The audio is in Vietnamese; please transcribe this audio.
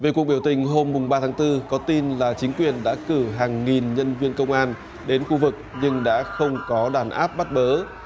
về cuộc biểu tình hôm mùng ba tháng tư có tin là chính quyền đã cử hàng nghìn nhân viên công an đến khu vực nhưng đã không có đàn áp bắt bớ